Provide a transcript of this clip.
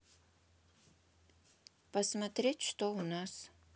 посмотреть что у нас